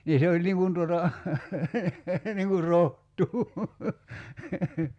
niin se oli niin kuin tuota niin kuin rohtoa